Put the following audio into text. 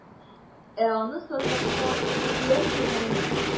Ә аны сазлыкта күпләр күргән бит.